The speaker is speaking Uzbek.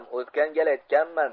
o'tgan gal aytganman